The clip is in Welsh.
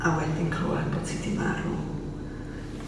a wedyn clywad bod hi 'di marw.